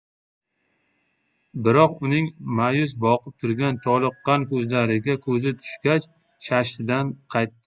biroq uning ma'yus boqib turgan toliqqan ko'zlariga ko'zi tushgach shashtidan qaytdi